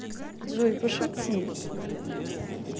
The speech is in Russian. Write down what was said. джой пошути